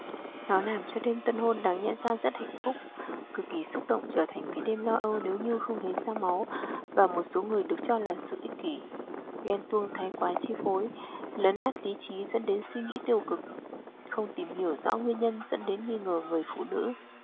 nó làm cho đêm tân hôn đáng lẽ ra rất hạnh phúc cực kỳ xúc động trở thành cái đêm lo âu nếu như không thấy ra máu và một số người được cho là sự ích kỉ ghen tuông thái quá chi phối lấn át lí trí dẫn đến suy nghĩ tiêu cực không tìm hiểu rõ nguyên nhân dẫn đến nghi ngờ người phụ nữ